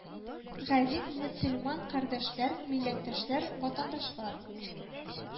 Газиз мөселмән кардәшләр, милләттәшләр, ватандашлар